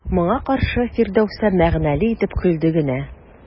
Моңа каршы Фирдәүсә мәгънәле итеп көлде генә.